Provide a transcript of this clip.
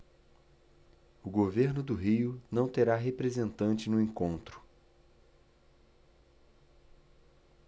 o governo do rio não terá representante no encontro